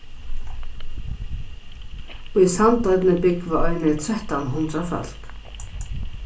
í sandoynni búgva eini trettan hundrað fólk